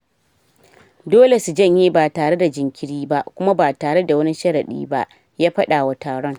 “Dole su janye ba tare da jinkiri ba kuma ba tare da wani sharaɗi ba,” ya fada wa taron.